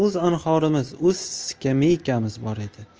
anhorimiz o'z skameykamiz bor edi